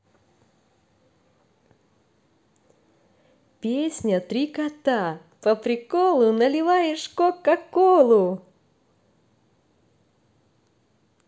песня три кота по приколу наливаешь кока колу